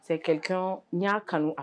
Sɛc n y'a kanu